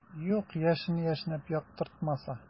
Юк, яшен яшьнәп яктыртмаса.